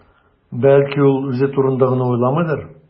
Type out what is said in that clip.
Бәлки, ул үзе турында гына уйламыйдыр?